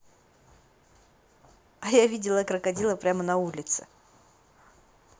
а я видела крокодила прямо на улице